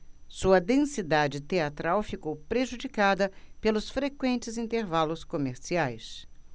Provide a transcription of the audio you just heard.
sua densidade teatral ficou prejudicada pelos frequentes intervalos comerciais